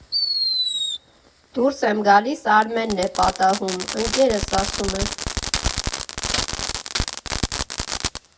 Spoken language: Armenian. Դուրս եմ գալիս, Արմենն է պատահում՝ ընկերս, ասում է.